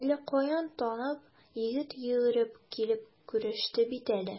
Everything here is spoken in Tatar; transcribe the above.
Әллә каян танып, егет йөгереп килеп күреште бит әле.